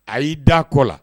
A y'i da kɔ la